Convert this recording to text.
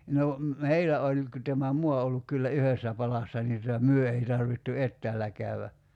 no meillä oli kun tämä maa on ollut kyllä yhdessä palassa niin tuota me ei tarvittu etäällä käydä